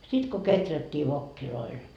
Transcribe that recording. sitten kun kehrättiin vokeilla